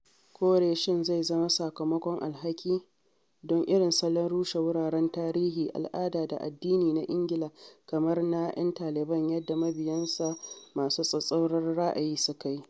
Kore shin zai zama sakamakon alhaki don irin salon rushe wuraren tarihi, al’ada da addini na Ingila kamar na ‘yan Taliban yadda mabiyansa masu tsatstsauran ra’ayi suka yi.